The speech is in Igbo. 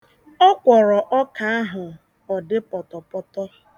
Ọ kwọrọ ọka ahụ ọ dị pọtọpọtọ.